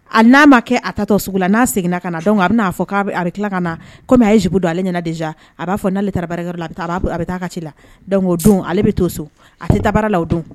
A n'a ma kɛ a ta to sugu la n'a seginna ka na dɔn a bɛ'a fɔ ko a a tila ka na komi a z don ale nana diz a b'a fɔ n'ale ta la a bɛ taa ka ci la don o don ale bɛ to so a tɛ ta baara la o don